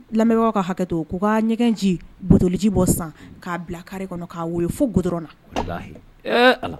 Lamɛnbagaw ka hakɛ ko ka ɲɛgɛnjitoliji bɔ san k'a bila kariri kɔnɔ k'a fo g dɔrɔn na